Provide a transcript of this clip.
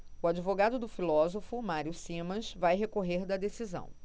o advogado do filósofo mário simas vai recorrer da decisão